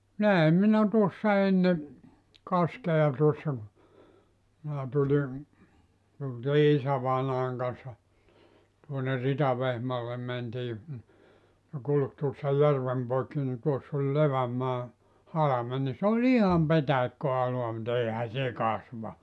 näin minä tuossa ennen kaskea tuossa kun minä tulin tultiin isävainajan kanssa tuonne Ritavehmaalle mentiin ne kulki tuossa järven poikki niin tuossa oli Levänmaan halme niin se oli ihan petäikköalaa mutta eihän se kasva